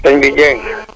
sëñ bi Dieng